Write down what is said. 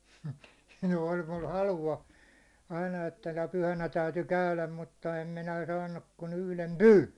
no oli minulla halua aina että - pyhänä täytyi käydä mutta en minä saanut kuin yhden pyyn